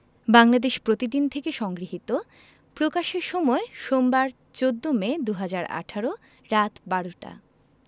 বাংলাদেশ প্রতিদিন থেকে সংগৃহীত প্রকাশের সময় সোমবার ১৪ মে ২০১৮ রাত ১২টা